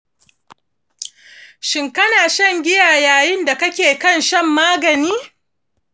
shin kana shan giya yayin da kake kan shan magani?